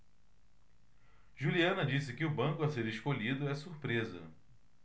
juliana disse que o banco a ser escolhido é surpresa